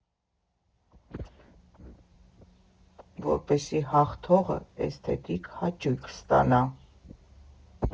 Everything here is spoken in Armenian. Որպեսզի հաղթողը էսթետիկ հաճույք ստանա։